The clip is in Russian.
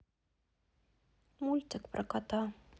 мультик про котика